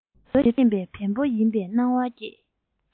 ལུས པོ འདི འགྲོ ཤེས པའི བེམ པོ ཡིན པའི སྣང བ སྐྱེས